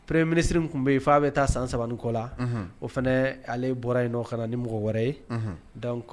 Peree minisiriri tun bɛ yen f'a bɛ taa san kɔ la o fana ale bɔra yen ka na ni mɔgɔ wɛrɛ ye da kɔnɔ